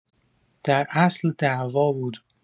در اصل دعوا بود